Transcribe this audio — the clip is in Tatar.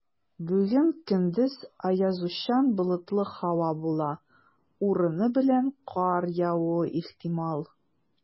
Бүген көндез аязучан болытлы һава була, урыны белән кар явуы ихтимал.